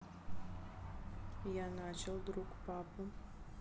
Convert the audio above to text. я начал друг папу